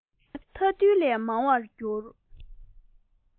ཟེགས མ ཐལ རྡུལ ལས མང བར གྱུར